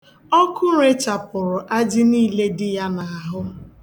Ọkụ rechapụrụ ajị niile dị ya n'ahụ.